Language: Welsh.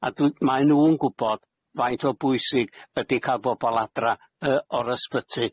A dw- mae nw'n gwbod faint o bwysig ydi ca'l bobol adra y- o'r ysbyty.